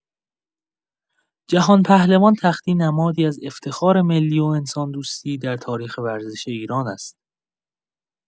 جهان‌پهلوان تختی نمادی از افتخار ملی و انسان‌دوستی در تاریخ ورزش ایران است.